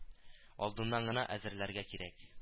Алдыннан гына әзерләргә кирәк